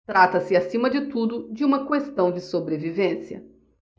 trata-se acima de tudo de uma questão de sobrevivência